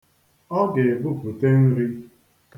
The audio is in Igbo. Ọ ga-ebupute nri.